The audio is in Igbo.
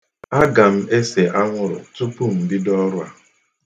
Aga m ese anwụrụ tupu m bido ọrụ a.